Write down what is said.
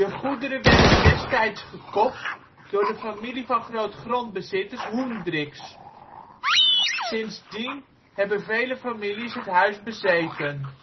goederen werden destijds gekocht door de familie van grootgrondbezitters Hoendricks. Sindsdien hebben vele families het huis bezeten